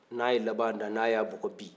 n'a ye laban da n'a y'a bɔgɔ bin